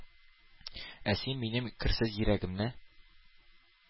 Ә син минем керсез йөрәгемне